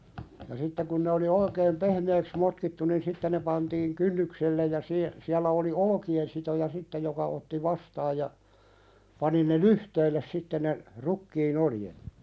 ja sitten kun ne oli oikein pehmeäksi motkittu niin sitten ne pantiin kynnykselle ja - siellä oli olkinen sitoja sitten joka otti vastaan ja pani ne lyhteille sitten ne rukiin oljet